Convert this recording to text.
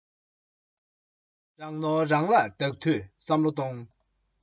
གནས མོ རོགས ལ ཁྲིད རྒྱུ ཡོད མདོག མེད